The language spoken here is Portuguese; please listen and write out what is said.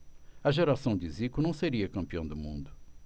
a geração de zico não seria campeã do mundo